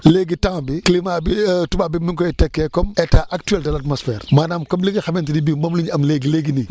léegi temps bi climat bi tubaab bi mi ngi koy tekkee comme état actuel de l' atmosphère maanaam comme li nga xamante ni bii moom la ñu am léegi léegi nii